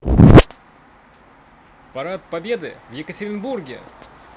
парад победы в екатеринбурге